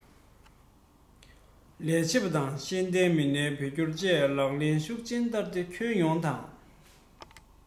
ལས བྱེད པ དང ཤེས ལྡན མི སྣའི བོད སྐྱོར བཅས ལག ལེན ཤུགས ཆེན བསྟར ཏེ ཁྱོན ཡོངས དང